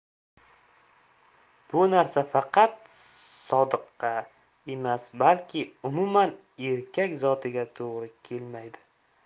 bu narsa faqat sodiqqa emas balki umuman erkak zotiga to'g'ri kelmaydi